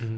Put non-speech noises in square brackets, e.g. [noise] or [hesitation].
[hesitation] [hesitation]